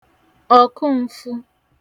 ọ̀kụnfụ